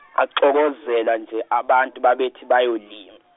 baxokozela nje abantu babethi bayolima.